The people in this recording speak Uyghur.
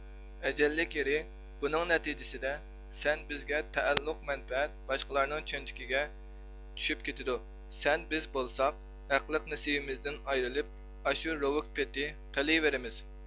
ئەجەللىك يېرى بۇنىڭ نەتىجىسىدە سەن بىزگە تەئەللۇق مەنپەئەت باشقىلارنىڭ چۆنتىكىگە چۈشۈپ كېتىدۇ سەن بىز بولساق ھەقلىق نېسىۋىمىزدىن ئايرىلىپ ئاشۇ روۋۇك پېتى قېلىۋېرىمىز